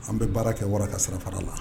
An bɛ baara kɛ wara ka sira fara la